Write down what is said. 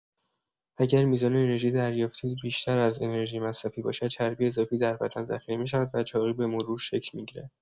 اگر میزان انرژی دریافتی بیشتر از انرژی مصرفی باشد، چربی اضافی در بدن ذخیره می‌شود و چاقی به‌مرور شکل می‌گیرد.